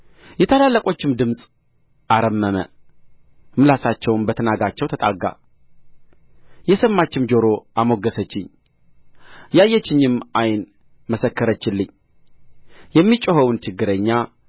የታላላቆቹም ድምፅ አረመመ ምላሳቸውም በትናጋቸው ተጣጋ የሰማችኝ ጆሮ አሞገሰችኝ ያየችኝም ዓይን መሰከረችልኝ የሚጮኸውን ችግረኛ